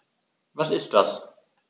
Was ist das?